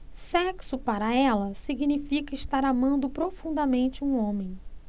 sexo para ela significa estar amando profundamente um homem